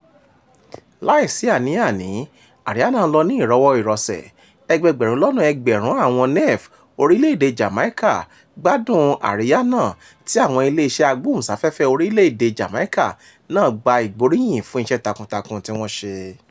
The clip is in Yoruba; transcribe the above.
Láì sí àní-àní, àríyá náà lọ ní ìrọwọ́-ìrọsẹ̀, ẹgbẹẹgbẹ̀rún lọ́nà ẹgbẹ̀rún àwọn Nev orílẹ̀-èdèe Jamaica gbádùn-un àríyá náà tí àwọn iléeṣẹ́ agbóhùnsáfẹ́fẹ́ orílẹ̀ èdèe Jamaica náà gba ìgbóríyìn fún iṣẹ́ takuntakun tí wọ́n ṣe: